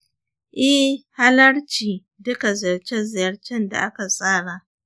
eh, halarci duka ziyarce-ziyarcen da aka tsara